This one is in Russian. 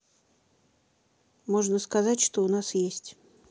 можно сказать что у нас есть